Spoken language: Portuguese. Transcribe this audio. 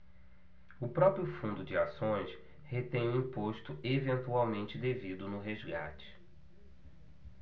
o próprio fundo de ações retém o imposto eventualmente devido no resgate